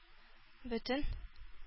Бөтен